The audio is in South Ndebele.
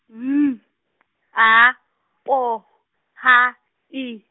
M, A, P, H, I.